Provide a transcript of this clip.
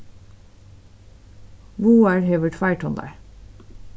vágar hevur tveir tunlar